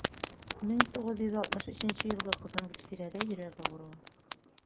1963 елгы кызым гөлфирәдә йөрәк авыруы.